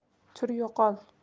tur yo'qol